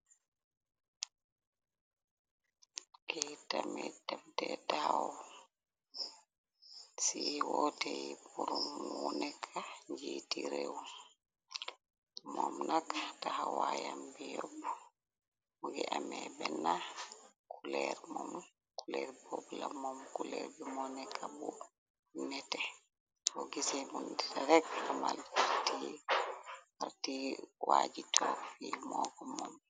Keytami demte daaw ci woote yi purum mu nekka njiiti réew moom nak taxawaayam bi yobb mugi ame benna kuleer bobla moom kuleer bu mo nekka bu nete o gise mund rekk amal rti arti waaji tofi mooko moom.